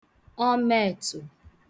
ọmeètụ